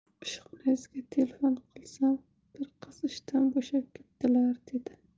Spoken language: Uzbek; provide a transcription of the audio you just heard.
ishxonangizga telefon qilsam bir qiz ishdan bo'shab ketdilar dedi